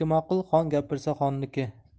ma'qul xon gapirsa xonniki